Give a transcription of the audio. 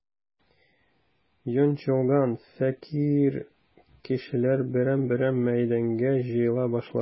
Йончылган, фәкыйрь кешеләр берәм-берәм мәйданга җыела башлады.